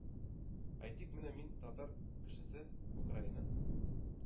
Әйтик, менә мин, татар кешесе, Украина,